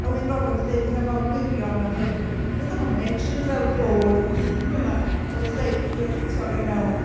Oedd Wyn Roberts yn deud pethau mor wirion, achos d- doedden nhw ddim yn edrych fel glôwr fel 'na wrth ddeud pwy oedd 'di torri mewn.